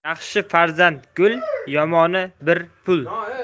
yaxshi farzand gul yomoni bir pul